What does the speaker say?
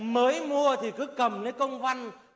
mới mua thì cứ cầm lấy công văn